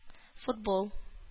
Футбол